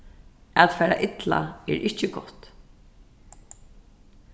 at fara illa er ikki gott